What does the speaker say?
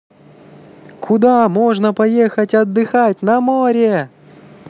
куда можно поехать отдыхать на море